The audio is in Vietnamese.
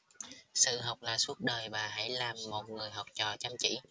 sự học là suốt đời và hãy làm một người học trò chăm chỉ